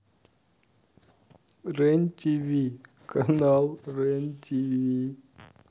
рен тв канал рен тв